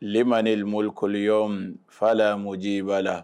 le ma ni moriliy fa la moji b'a la